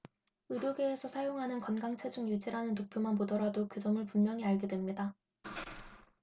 의료계에서 사용하는 건강 체중 유지라는 도표만 보더라도 그 점을 분명히 알게 됩니다